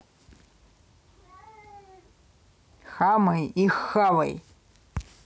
хамай и хавай